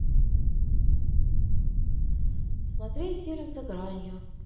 смотреть фильм за гранью